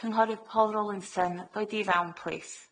Cynghorydd Paul Rowlinson ddoi di fewn plîs?